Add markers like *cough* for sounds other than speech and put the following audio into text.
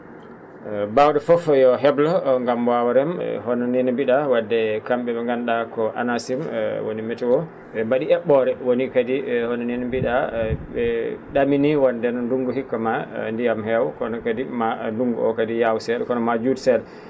*hesitation* mbaaw?o fof yo he?lo ngam waawa rem hono nii no mbi?aa wadde kam?e ?e nganndu?aa ko ANACIM woni météo ?e mba?i he??ore woni kadi ni no mbi?a ?e ?amini wonde ndunngu hikka ma ndiyam heew kono kadi ma ndunngu nguu kadi yaaw see?a kono ma juut see?a